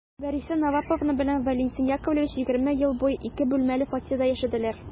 Вәриса Наваповна белән Валентин Яковлевич егерме ел буе ике бүлмәле фатирда яшәделәр.